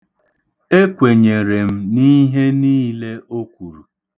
Ekwenyere m n'ihe niile o kwuru.